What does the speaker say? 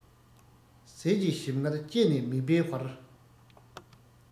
ཟས ཀྱི ཞིམ མངར ལྕེ ནས མིད པའི བར